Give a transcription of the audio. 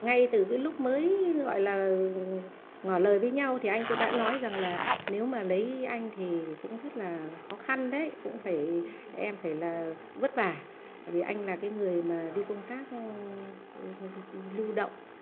ngay từ lúc mới gọi là ngỏ lời với nhau thì anh cũng đã nói rằng là nếu mà lấy anh thì cũng rất là khó khăn đấy cũng phải em phải là vất vả vì anh là cái người mà đi công tác lưu động